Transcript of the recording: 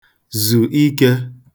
zù ikẹ̄